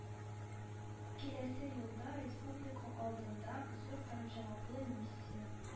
Киләсе елда республика алдында - зур һәм җаваплы миссия